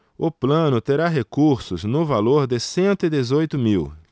o plano terá recursos no valor de cento e dezoito mil